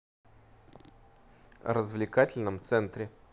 развлекательном центре